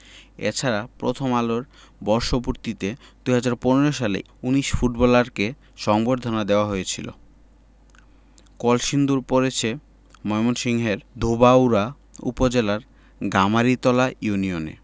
এ ছাড়া প্রথম আলোর বর্ষপূর্তিতে ২০১৫ সালে এই ১৯ ফুটবলারকে সংবর্ধনা দেওয়া হয়েছিল কলসিন্দুর পড়েছে ময়মনসিংহের ধোবাউড়া উপজেলার গামারিতলা ইউনিয়নে